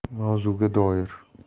mavzuga doir